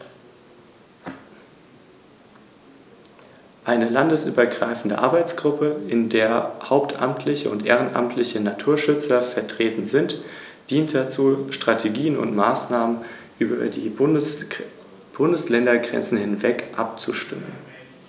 Auffallend ist neben der für Adler typischen starken Fingerung der Handschwingen der relativ lange, nur leicht gerundete Schwanz.